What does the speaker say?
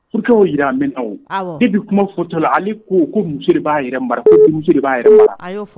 Futaw jira min dibi kuma fola ale ko ko muso de b'a de'a